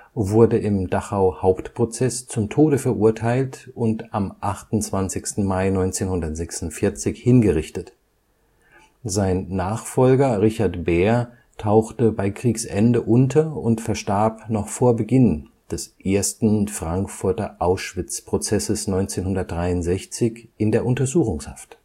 wurde im Dachau-Hauptprozess zum Tode verurteilt und am 28. Mai 1946 hingerichtet, sein Nachfolger Richard Baer tauchte bei Kriegsende unter und verstarb noch vor Beginn des ersten Frankfurter Auschwitzprozesses 1963 in der Untersuchungshaft